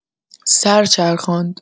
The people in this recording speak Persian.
سر چرخاند.